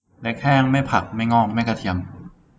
เล็กแห้งไม่ผักไม่งอกไม่กระเทียม